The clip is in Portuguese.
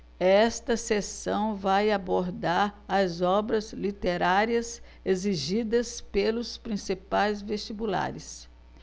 esta seção vai abordar as obras literárias exigidas pelos principais vestibulares